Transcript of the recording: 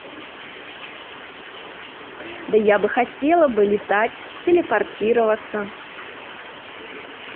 да я бы хотела бы летать телепортироваться